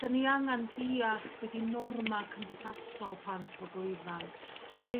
'da ni angan diall be 'di norma' cymdeithasol plant a bobol ifanc? Be